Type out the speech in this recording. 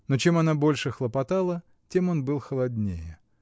Но чем она больше хлопотала, тем он был холоднее.